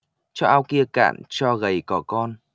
cho ao kia cạn cho gầy cò con